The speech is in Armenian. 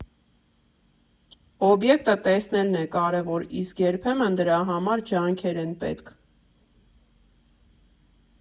Օբյեկտը տեսնելն է կարևոր, իսկ երբեմն դրա համար ջանքեր են պետք։